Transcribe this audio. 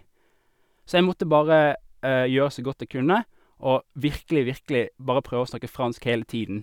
Så jeg måtte bare gjøre så godt jeg kunne, og virkelig, virkelig bare prøve å snakke fransk hele tiden.